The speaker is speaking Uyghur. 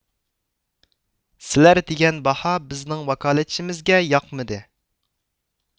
سىلەر دېگەن باھا بىزنىڭ ۋاكالەتچىمىزگە ياقمىدى